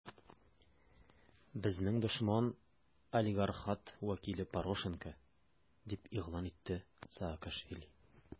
Безнең дошман - олигархат вәкиле Порошенко, - дип игълан итте Саакашвили.